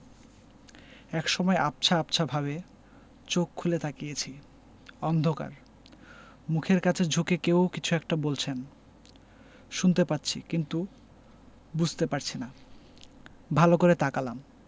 একসময় আবছা আবছাভাবে চোখ খুলে তাকিয়েছি অন্ধকার মুখের কাছে ঝুঁকে কেউ কিছু একটা বলছেন শুনতে পাচ্ছি কিন্তু বুঝতে পারছি না ভালো করে তাকালাম